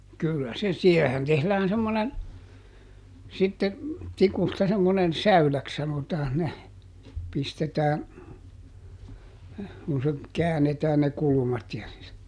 kyllä se siihenhän tehdään semmoinen sitten tikusta semmoinen säyläksi sanotaan ne pistetään kun se käännetään ne kulmat ja -